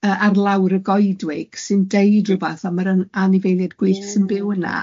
Yy ar lawr y goedwig sy'n deud rhywbeth a ma'r an- anifeiliaid gwyllt sy'n byw yna.